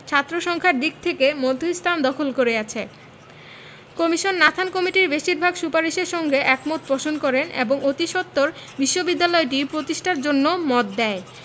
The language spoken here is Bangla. ছাত্রসংখ্যার দিক থেকে মধ্যস্থান দখল করে আছে কমিশন নাথান কমিটির বেশির ভাগ সুপারিশের সঙ্গে একমত পোষণ করেন এবং অতিসত্বর বিশ্ববিদ্যালয়টি প্রতিষ্ঠার জন্য মত দেয়